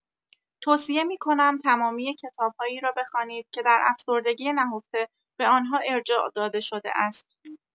توصیه می‌کنم تمامی کتاب‌هایی را بخوانید که در افسردگی نهفته به آن‌ها ارجاع داده شده است.